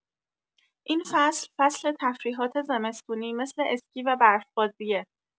این فصل، فصل تفریحات زمستونی مثل اسکی و برف‌بازیه.